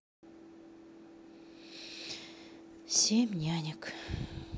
семь нянек